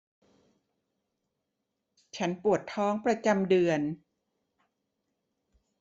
ฉันปวดท้องประจำเดือน